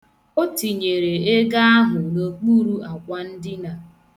O tinyere ego ahụ n'okpuru àkwà ndinà